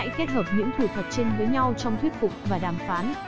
hãy kết hợp những thủ thuật trên với nhau trong thuyết phục và đàm phán